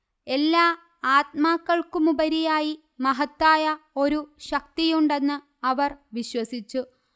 എല്ലാ ആത്മാക്കൾക്കുമുപരിയായി മഹത്തായ ഒരു ശക്തിയുണ്ടെന്ന് അവർ വിശ്വസിച്ചു